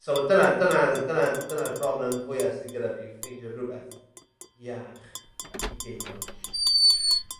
So dyna dyna'r dyna dyna'r broblem fwya sydd gyda fi yw ffeindio rwbeth iach i ginio.